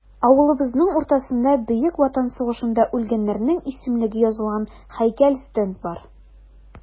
Авылыбызның уртасында Бөек Ватан сугышында үлгәннәрнең исемлеге язылган һәйкәл-стенд бар.